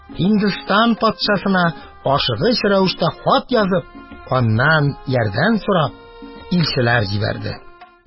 Һиндстан патшасына ашыгыч рәвештә хат язып, аннан ярдәм сорап, илчеләр җибәрде.